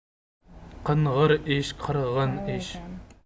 qing'ir ish qirg'in ish